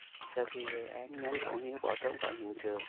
sau khi gây án nhóm của hiếu bỏ trốn khỏi hiện trường